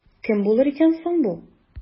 Кем булыр икән соң бу?